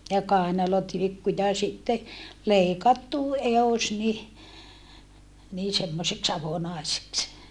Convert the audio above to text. ja kainalotilkku ja sitten leikattu edus niin niin semmoiseksi avonaiseksi